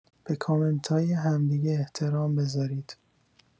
به کامنتای هم دیگه احترام بزارید.